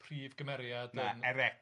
prif gymeriad yn... Na, Erec...